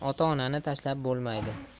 ota onani tashlab bo'lmaydi